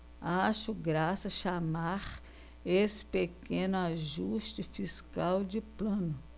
acho graça chamar esse pequeno ajuste fiscal de plano